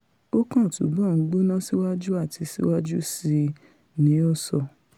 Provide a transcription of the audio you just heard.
Ó kàn túnbọ̀ ń gbóná síwájú àti síwájú síi,'' ní ó sọ.